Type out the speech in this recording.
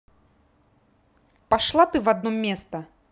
пошла ты в одно место